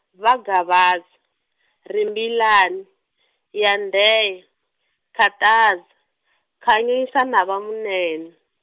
va Gavaza, Rimbilana, Yandheya, Khataza, Khanyisa na va Munene.